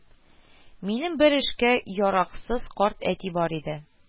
Минем бер эшкә яраксыз карт әти бар иде